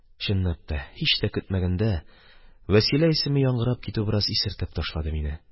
Чынлап та, һич тә көтмәгәндә Вәсилә исеме яңгырап китү бераз исертеп ташлады мине,